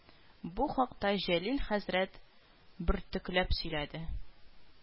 Бу хакта Җәлил хәзрәт бөртекләп сөйләде